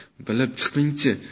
bilib chiqing chi